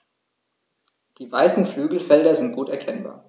Die weißen Flügelfelder sind gut erkennbar.